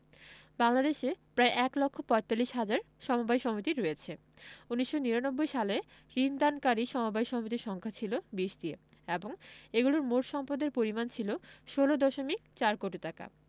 বাংলাদেশে প্রায় এক লক্ষ পয়তাল্লিশ হাজার সমবায় সমিতি রয়েছে ১৯৯৯ সালে ঋণ দানকারী সমবায় সমিতির সংখ্যা ছিল ২০টি এবং এগুলোর মোট সম্পদের পরিমাণ ছিল ১৬দশমিক ৪ কোটি টাকা